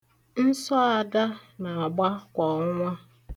Nsọ Ada na-agba kwa ọnwa.